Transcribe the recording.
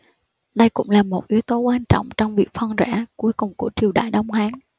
đây cũng là một yếu tố quan trọng trong việc phân rã cuối cùng của triều đại đông hán